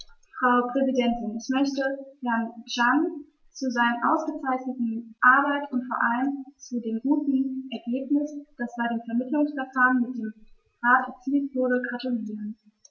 Frau Präsidentin, ich möchte Herrn Cancian zu seiner ausgezeichneten Arbeit und vor allem zu dem guten Ergebnis, das bei dem Vermittlungsverfahren mit dem Rat erzielt wurde, gratulieren.